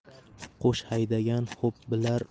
qo'sh haydagan xo'p bilar